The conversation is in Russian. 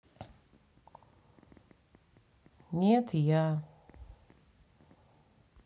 нет я